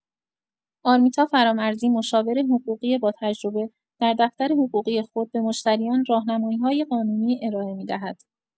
آرمیتا فرامرزی، مشاور حقوقی با تجربه، در دفتر حقوقی خود به مشتریان راهنمایی‌های قانونی ارائه می‌دهد.